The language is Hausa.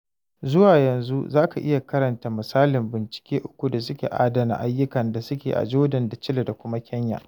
Zuwa yanzu za ka iya karanta misalan bincike uku da suke adana ayyukan da suke a Jordan da Chile da kuma Kenya.